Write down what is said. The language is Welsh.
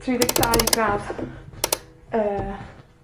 tri deg dau gradd yy,